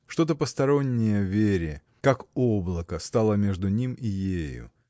Что-то постороннее Вере, как облако, стало между ним и ею.